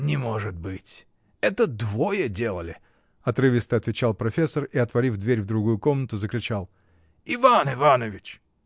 — Не может быть: это двое делали, — отрывисто отвечал профессор и, отворив дверь в другую комнату, закричал: — Иван Иванович!